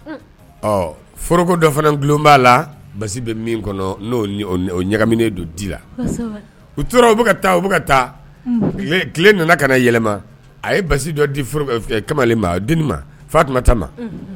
Foroko dɔ fana bulon b'a la basi bɛ min n ɲagamina don u tora u u taa tile nana ka yɛlɛma a ye basi dɔ di kamalen di ma fa tun